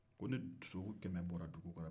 ko ni sokɛmɛ bɔnna dugu kan